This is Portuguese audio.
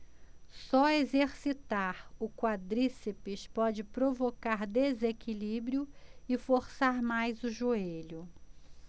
só exercitar o quadríceps pode provocar desequilíbrio e forçar mais o joelho